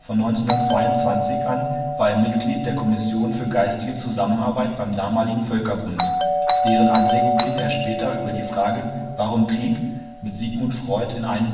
Von 1922 an war er Mitglied der Kommission für geistige Zusammenarbeit beim damaligen Völkerbund, auf deren Anregung hin er später über die Frage Warum Krieg? mit Sigmund Freud in einen